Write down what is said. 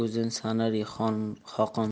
o'zin sanar xoqonga